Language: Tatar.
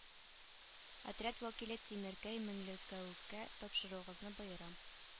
Отряд вәкиле тимеркәй меңлекәүкә тапшыруыгызны боерам